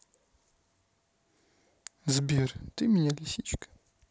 сбер ты меня лисичка